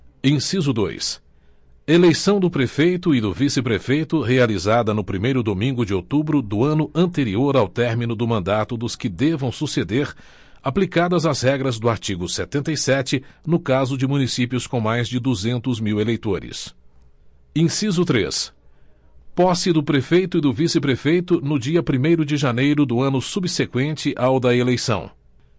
inciso dois eleição do prefeito e do vice prefeito realizada no primeiro domingo de outubro do ano anterior ao término do mandato dos que devam suceder aplicadas as regras do artigo setenta e sete no caso de municípios com mais de duzentos mil eleitores inciso três posse do prefeito e do vice prefeito no dia primeiro de janeiro do ano subseqüente ao da eleição